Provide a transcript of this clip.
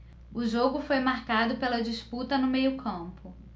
o jogo foi marcado pela disputa no meio campo